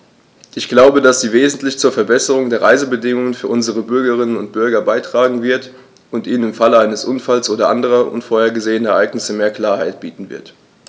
Ich glaube, dass sie wesentlich zur Verbesserung der Reisebedingungen für unsere Bürgerinnen und Bürger beitragen wird, und ihnen im Falle eines Unfalls oder anderer unvorhergesehener Ereignisse mehr rechtliche Klarheit bieten wird.